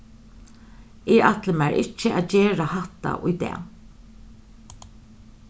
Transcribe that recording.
eg ætli mær ikki at gera hatta í dag